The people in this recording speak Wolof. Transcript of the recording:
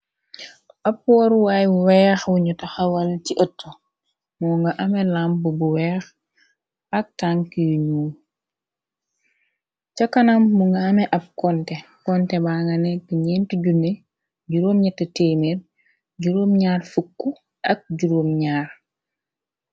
Ab waruwaayu weex wiñu taxawal ci ët moo nga ame lam b bu weex ak tank yuñu ca kanam mu nga ame ab konte konte ba nga nekk 4t,00 um00 jurom ña 1ukk ak juróom ñar.